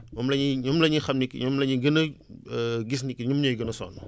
moom la ñuy ñoom la ñuy xam ni que ñoom la ñuy gën a gis ni que ñoom ñooy gën a sonn